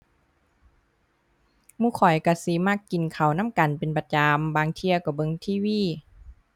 หมู่ข้อยก็สิมักกินข้าวนำกันเป็นประจำ บางเที่ยก็เบิ่ง TV